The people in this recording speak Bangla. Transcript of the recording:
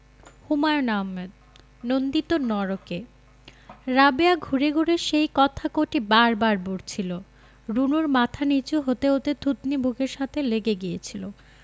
হুমায়ুন আহমেদ নন্দিত নরকে রাবেয়া ঘুরে ঘুরে সেই কথা কটি বার বার বলছিলো রুনুর মাথা নীচু হতে হতে থুতনি বুকের সঙ্গে লেগে গিয়েছিলো